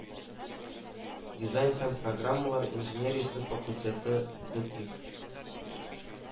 Дизайн һәм программалар инженериясе факультеты ДэПИФ